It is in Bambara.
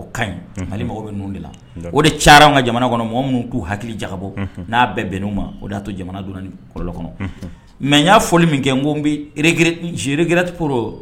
O kaɲi unhun Mali mago be ninnu de la d'accord o de cayar'anw ŋa jamana kɔnɔ mɔgɔ minnu t'u hakili jagabɔ unhun n'a bɛɛ bɛnn'u ma o de y'a to jamana donna nin k kɔlɔlɔ kɔnɔ unhun mais ɲ'a fɔli min kɛ ŋo bi regré je regrette pour